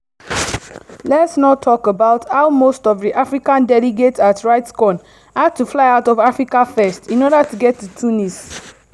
Let's not talk about how most of the African delegates at RightsCon had to fly out of Africa first, in order to get to Tunis.